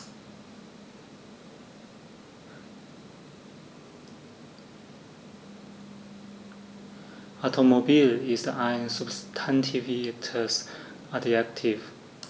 Automobil ist ein substantiviertes Adjektiv.